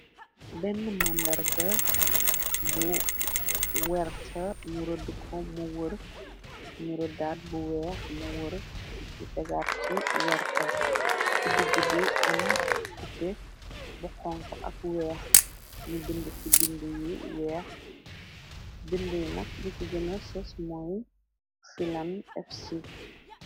Benne màndarga bu werta ñurëdd ko mu wër ñu rëddaat bu weex mu wër yu tegaat ci weerta ci digg bi am cupe bu xonk ak weex ñu bind ci bind yi weex bind yi nak bi ci gëna sos mooy filam f c.